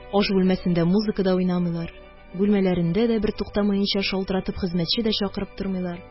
Аш бүлмәсендә музыка да уйнамыйлар, бүлмәләрендә дә бертуктамаенча шылтыратып хезмәтче дә чакырып тормыйлар,